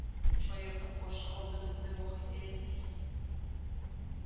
Шаяртып каршы алды безне ваһидә әби